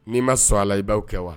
N'i ma sɔn a ala i b'aw kɛ wa